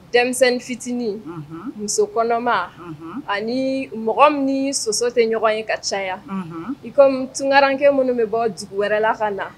Denmisɛnnin fitinin muso kɔnɔma ani mɔgɔ ni soso tɛ ɲɔgɔn ye ka ca iko tunkarakarankɛ minnu bɛ bɔ dugu wɛrɛla ka na